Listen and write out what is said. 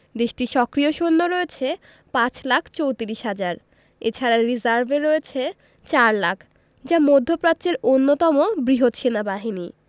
দেশটির সক্রিয় সৈন্য রয়েছে ৫ লাখ ৩৪ হাজার এ ছাড়া রিজার্ভে রয়েছে ৪ লাখ যা মধ্যপ্রাচ্যের অন্যতম বৃহৎ সেনাবাহিনী